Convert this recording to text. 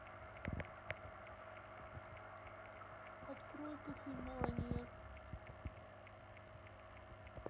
открой кофемания